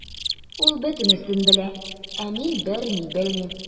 Ул бөтенесен белә, ә мин берни белмим.